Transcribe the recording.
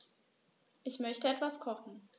Ich möchte etwas kochen.